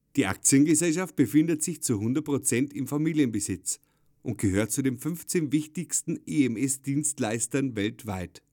Die Aktiengesellschaft befindet sich zu 100 Prozent in Familienbesitz und gehört zu den 15 wichtigsten EMS-Dienstleistern weltweit